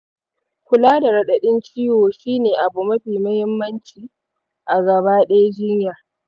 kula da radadin ciwo shine abu mafi muhimmanci a gaba daya jinyar.